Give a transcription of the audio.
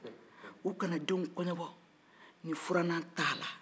u kana denw kɔɲɔbɔ ni furalan t'a la